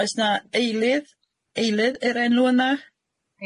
Oes 'na eilydd eilydd i'r enw yna?